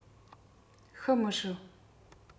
ཤི མི སྲིད